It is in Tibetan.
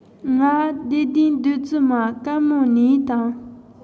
ང བདེ ལྡན བདུད རྩི མ དཀར མོ ནས དང